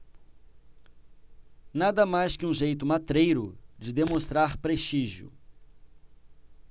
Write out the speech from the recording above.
nada mais que um jeito matreiro de demonstrar prestígio